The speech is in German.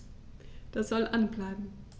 Das soll an bleiben.